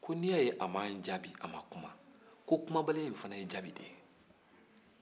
u ko n'i y'a ye a m'an jaabi a ma kuma ko kumabaliya nin fana ye jaabi de ye